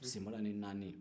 senbala ni naani